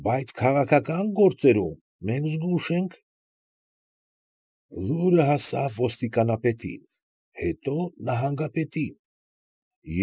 Բայց քաղաքական գործերում մենք զգույշ ենք… Լուրը հասավ ոստիկանապետին, հետո նահանգապետին։